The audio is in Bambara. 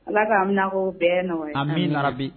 Ala k'a bɛna ko bɛɛ nɔ an bɛ laribabi